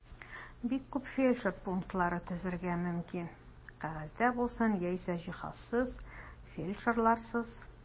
Бик күп фельдшер пунктлары төзергә мөмкин (кәгазьдә булсын яисә җиһазсыз, фельдшерларсыз).